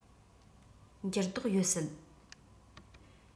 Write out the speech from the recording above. འགྱུར ལྡོག ཡོད སྲིད